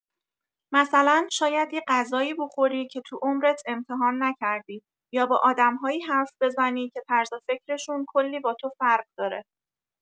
مثلا شاید یه غذایی بخوری که تو عمرت امتحان نکردی، یا با آدم‌هایی حرف بزنی که طرز فکرشون کلی با تو فرق داره.